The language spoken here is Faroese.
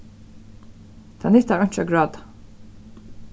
tað nyttar einki at gráta